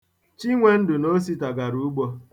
Chinwendụ na Osita gara ugbo.